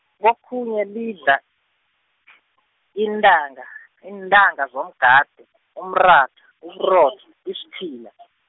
wo khunye lidla , iintanga, iintanga zomgade, umratha, uburotho, isiphila .